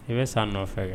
I bɛ san nɔfɛ